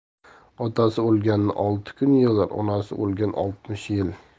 otasi o'lgan olti kun yig'lar onasi o'lgan oltmish yil